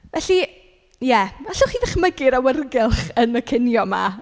Felly ie, allwch chi ddychmygu'r awyrgylch yn y cinio 'ma?